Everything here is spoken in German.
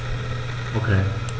Okay.